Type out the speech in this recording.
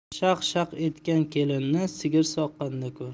shaq shaq etgan kelinni sigir soqqanda ko'r